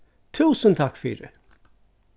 túsund takk fyri